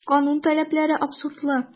Канун таләпләре абсурдлы.